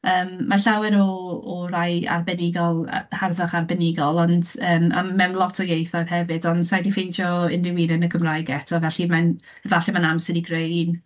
Yym, mae llawer o o rai arbenigol y- harddwch arbenigol, ond yym, m- mewn lot o ieithoedd hefyd, ond sa i 'di ffeindio unrhyw un yn y Gymraeg eto, felly mae'n ... efallai mae'n amser i greu un.